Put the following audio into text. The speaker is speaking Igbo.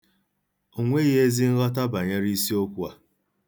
O nweghị ezi nghọta banyere isiokwu a.